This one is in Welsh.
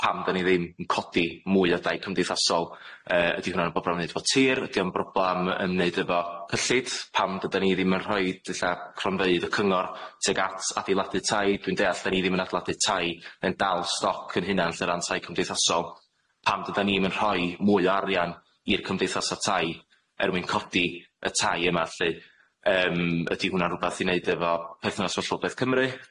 pam 'dan ni ddim yn codi mwy o dai cymdeithasol yy ydi hwnna'n broblam i neud efo tir ydi o'n broblam yn neud efo cyllid pam dydan ni ddim yn rhoid ella cronfeydd y cyngor tuag at adeiladu tai dwi'n deall 'dan ni ddim yn adeiladu tai yn dal stoc 'yn hunan lly ran tai cymdeithasol pam dydan ni'm yn rhoi mwy o arian i'r cymdeithasa' tai er mwyn codi y tai yma lly yym ydi hwnna'n rwbath i neud efo perthynas 'fo Llywodraeth Cymru?